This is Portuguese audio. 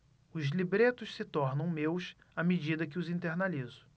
os libretos se tornam meus à medida que os internalizo